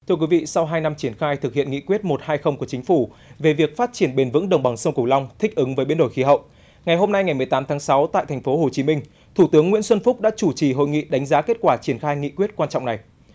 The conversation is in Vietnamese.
thưa quý vị sau hai năm triển khai thực hiện nghị quyết một hai không của chính phủ về việc phát triển bền vững đồng bằng sông cửu long thích ứng với biến đổi khí hậu ngày hôm nay ngày mười tám tháng sáu tại thành phố hồ chí minh thủ tướng nguyễn xuân phúc đã chủ trì hội nghị đánh giá kết quả triển khai nghị quyết quan trọng này